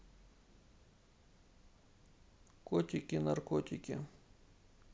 котики наркотики